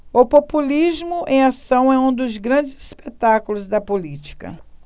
o populismo em ação é um dos grandes espetáculos da política